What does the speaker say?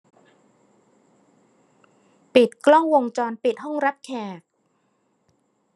ปิดกล้องวงจรปิดห้องรับแขก